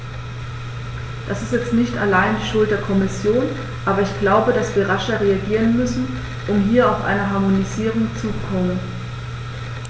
Das ist jetzt nicht allein die Schuld der Kommission, aber ich glaube, dass wir rascher reagieren müssen, um hier auch zu einer Harmonisierung zu kommen.